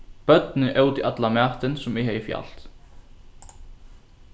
børnini ótu allan matin sum eg hevði fjalt